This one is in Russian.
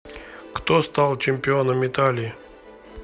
кто стал чемпионом италии